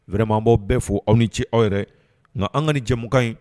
Wɛrɛmaanbɔ bɛ fo aw ni ce aw yɛrɛ nka an ka ni jɛmu ɲi